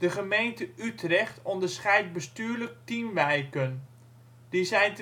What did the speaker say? gemeente Utrecht onderscheidt bestuurlijk tien wijken, die zijn